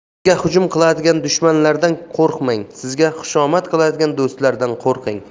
sizga hujum qiladigan dushmanlardan qo'rqmang sizga xushomad qiladigan do'stlardan qo'rqing